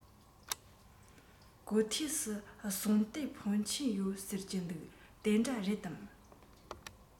གོ ཐོས སུ ཟངས གཏེར འཕོན ཆེན ཡོད ཟེར གྱི འདུག དེ འདྲ རེད དམ